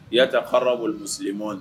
I y'a taa ha bolo sigilenma